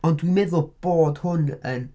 Ond dwi'n meddwl bod hwn yn...